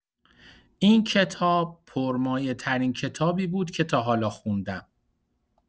این کتاب، پرمایه‌ترین کتابی بود که تا حالا خوندم.